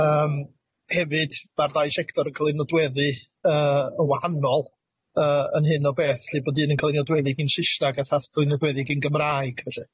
Yym hefyd, ma'r ddau sector yn cael eu nodweddu yy yn wahanol yy yn hyn o beth, lly. Bod un yn cael ei nodweddu gin Susnag, a llall yn ca'l ei nodweddu gin Gymraeg felly.